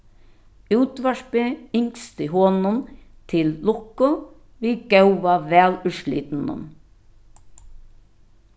útvarpið ynskti honum til lukku við góða valúrslitinum